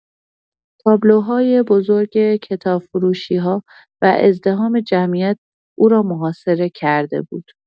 تابلوهای بزرگ کتاب‌فروشی‌ها و ازدحام جمعیت او را محاصره کرده بود.